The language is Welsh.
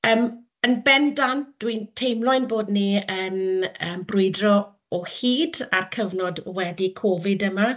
yym yn bendant, dwi'n teimlo ein bod ni yn yym brwydro o hyd â'r cyfnod wedi Covid yma.